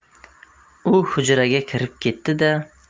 u hujraga kirib ketdi da